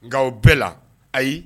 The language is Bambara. Nka o bɛɛ la ayi